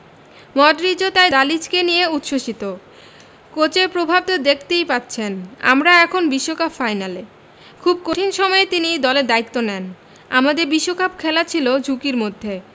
মডরিচও তাই দালিচকে নিয়ে উচ্ছ্বসিত কোচের প্র্রভাব তো দেখতেই পাচ্ছেন আমরা এখন বিশ্বকাপ ফাইনালে খুব কঠিন সময়ে তিনি দলের দায়িত্ব নেন আমাদের বিশ্বকাপ খেলা ছিল ঝুঁকির মধ্যে